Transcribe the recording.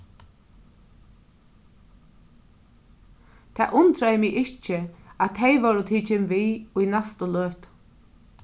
tað undraði meg ikki at tey vórðu tikin við í næstu løtu